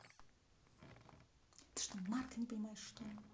ты что марка не понимаешь что ли